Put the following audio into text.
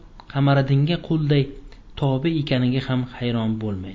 qamariddinga qulday tobe ekaniga xam xayron bulmaydi